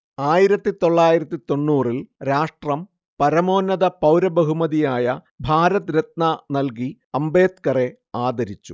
ആയിരത്തിത്തൊള്ളായിരത്തിത്തൊണ്ണൂറിൽ രാഷ്ട്രം പരമോന്നത പൗരബഹുമതിയായ ഭാരതരത്ന നല്കി അംബേദ്കറെ ആദരിച്ചു